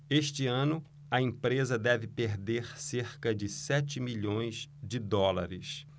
este ano a empresa deve perder cerca de sete milhões de dólares